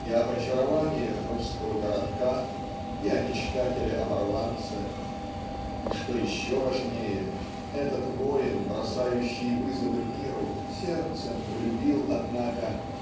и об очарованиях русского городка и о мечтателе-оборванце. И что еще важнее этот воин бросающий вызовы миру сердцем полюбил однако